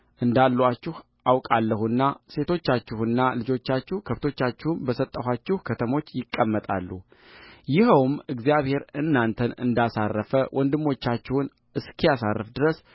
እንዳሉአችሁ አውቃለሁና ሴቶቻችሁና ልጆቻችሁ ከብቶቻችሁም በሰጠኋችሁ ከተሞች ይቀመጣሉይኸውም እግዚአብሔር እናንተን እንዳሳረፈ ወንድሞቻችሁን እስኪያሳርፍ ድረስ